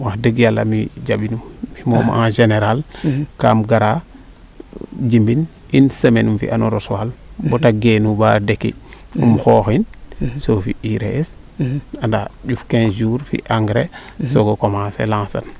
wax deg yala mi jambi num mi moom en general kam garaa jimbin une semaine fi'in bata geenu baa deki im xooxin soo fi urée es andaa njuf quinze jour fi engrais soogo commencer lance an